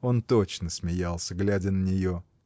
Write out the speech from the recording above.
Он точно смеялся, глядя на нее.